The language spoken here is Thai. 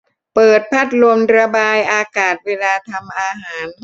เปิดพัดลมระบายอากาศเวลาทำอาหาร